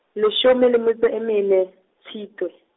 leshome le metso e mene, Tshitwe.